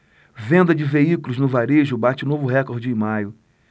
venda de veículos no varejo bate novo recorde em maio